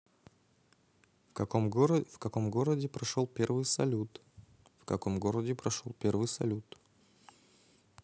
в каком городе прошел первый салют